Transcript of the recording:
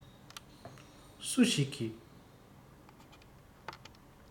སུ ཞིག གིས